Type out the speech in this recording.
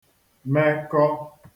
mekọ